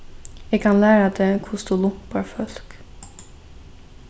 eg kann læra teg hvussu tú lumpar fólk